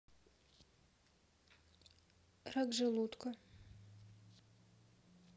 рак желудка